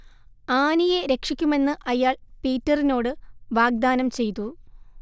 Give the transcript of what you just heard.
ആനിയെ രക്ഷിക്കുമെന്ന് അയാൾ പീറ്ററിനോട് വാഗ്ദാനം ചെയ്തു